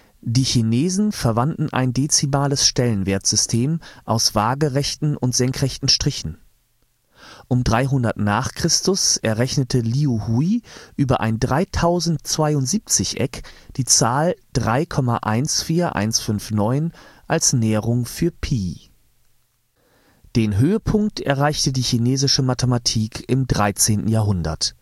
Die Chinesen verwandten ein dezimales Stellenwertsystem aus waagerechten und senkrechten Strichen (Suan Zi, Rechnen mit Pfählen genannt) geschrieben; um 300 n. Chr. errechnete Liu Hui über ein 3072-Eck die Zahl 3,14159 als Näherung für π. Den Höhepunkt erreichte die chinesische Mathematik im 13. Jahrhundert